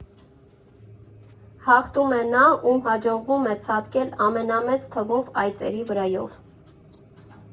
Հաղթում է նա, ում հաջողվում է ցատկել ամենամեծ թվով «այծերի» վրայով։